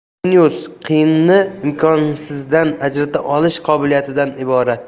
genius qiyinni imkonsizdan ajrata olish qobiliyatidan iborat